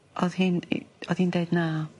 o'dd hi'n i- o'dd hi'n deud na.